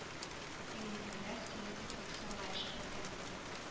Өянкеләр сине көтеп саргаешып беткәндер